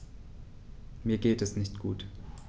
Mir geht es nicht gut.